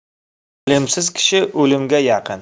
ilmsiz kishi o'limga yaqin